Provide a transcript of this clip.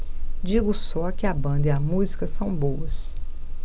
digo só que a banda e a música são boas